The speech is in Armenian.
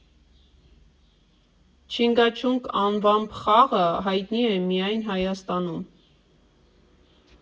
Չինգաչունգ անվամբ խաղը հայտնի է միայն Հայաստանում։